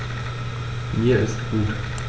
Mir ist gut.